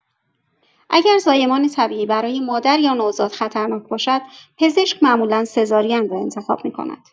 اگر زایمان طبیعی برای مادر یا نوزاد خطرناک باشد، پزشک معمولا سزارین را انتخاب می‌کند.